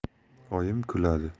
oyim kuladi